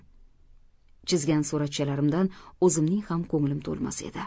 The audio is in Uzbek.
chizgan suratchalarimdan o'zimning ham ko'nglim to'lmas edi